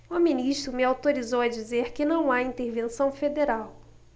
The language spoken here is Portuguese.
o ministro me autorizou a dizer que não há intervenção federal